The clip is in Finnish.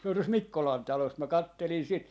se on tuossa Mikkolan talossa minä katselin sitä